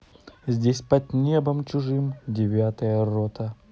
здесь под небом чужим девятая рота